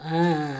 Un